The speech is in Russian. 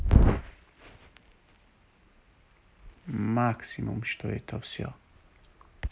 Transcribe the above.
максима что это все